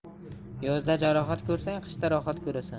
yozda jarohat ko'rsang qishda rohat ko'rasan